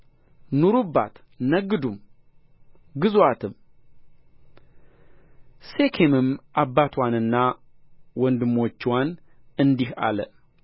ኑሩባት ነግዱም ግዙአትም ሴኬምም አባትዋንና ወንድሞችዋን እንዲህ አለ